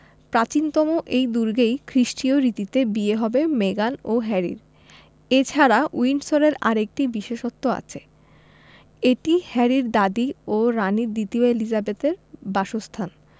প্রাচীনতম এই দুর্গেই খ্রিষ্টীয় রীতিতে বিয়ে হবে মেগান ও হ্যারির এ ছাড়া উইন্ডসরের আরেকটি বিশেষত্ব আছে এটি হ্যারির দাদি ও রানি দ্বিতীয় এলিজাবেথের বাসস্থান